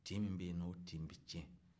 tin min bɛ yen o tin bɛ tiɲɛ